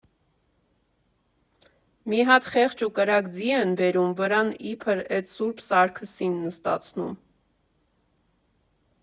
Մի հատ խեղճ ու կրակ ձի են բերում, վրան իբր էդ Սուրբ Սարգսին նստացնում։